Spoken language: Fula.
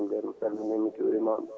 nden mi salminima mi juurimama